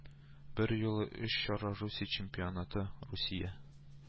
Берьюлы өч чара Русия чемпионаты, Русия